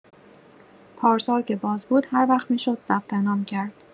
پارسال که باز بود هروقت می‌شد ثبت‌نام کرد